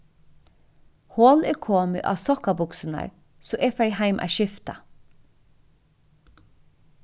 hol er komið á sokkabuksurnar so eg fari heim at skifta